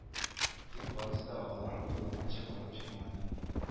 Тик барысы да алар уйлаганча барып чыкмады